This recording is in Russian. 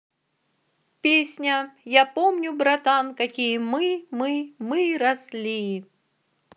песня я помню братан какие мы мы мы росли